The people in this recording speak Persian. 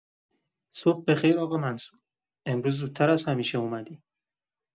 صبح به‌خیر آقا منصور، امروز زودتر از همیشه اومدی.